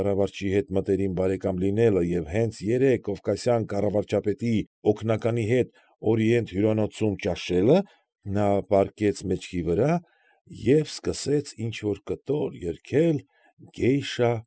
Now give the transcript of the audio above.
Կառավարչի հետ մտերիմ բարեկամ լինելը և հենց երեկ կովկասյան կառավարչապետի օգնականի հետ «Օրիանտ» հյուրանոցում ճաշելը), նա պառկեց մեջքի վրա և սկսեց ինչ֊որ կտոր երզել «Գեյշա»